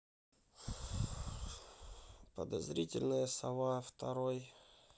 подозрительная сова второй